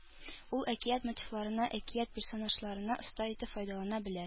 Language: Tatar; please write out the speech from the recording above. Ул әкият мотивларыннан, әкият персонажларыннан оста итеп файдалана белә